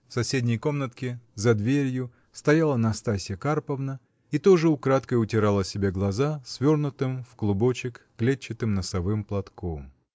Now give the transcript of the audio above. в соседней комнатке, за дверью, стояла Настасья Карповна и тоже украдкой утирала себе глаза свернутым в клубочек клетчатым носовым платком.